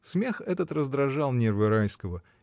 Смех этот раздражал нервы Райского.